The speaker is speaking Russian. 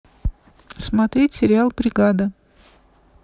смотреть сериал бригада